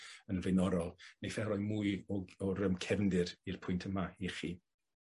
yn flaenorol. Neiff e roi mwy o o'r yym cefndir i'r pwynt yma i chi.